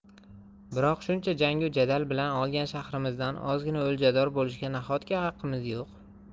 biroq shuncha jangu jadal bilan olgan shahrimizdan ozgina o'ljador bo'lishga nahotki haqqimiz yo'q